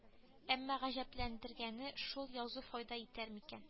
Әмма гаҗәпләндергәне шул язу файда итәр микән